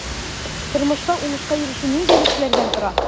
Тормышта уңышка ирешү нинди өлешләрдән тора?